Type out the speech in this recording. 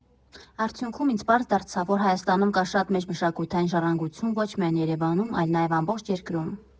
Արդյունքում ինձ պարզ դարձավ, որ Հայաստանում կա շատ մեծ մշակութային ժառանգություն ոչ միայն Երևանում, այլ նաև ամբողջ երկրում։